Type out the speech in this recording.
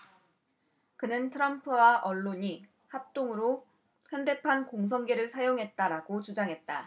그는 트럼프와 언론이 합동으로 현대판 공성계를 사용했다라고 주장했다